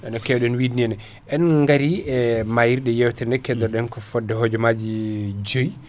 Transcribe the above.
no kewɗen wideni henna en gari ee mayirɗe yewtere nde keddoraɗen ko fodde hojomaji joyyi